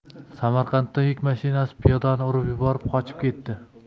samarqandda yuk mashinasi piyodani urib yuborib qochib ketdi